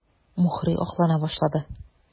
Мухрый аклана башлады.